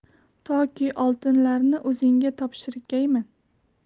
toki oltinlarni o'zingizga topshirgayman